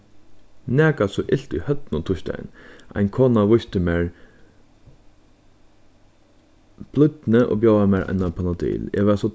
nakað so ilt í høvdinum týsdagin ein kona vísti mær blídni og bjóðaði mær eina panodil eg var so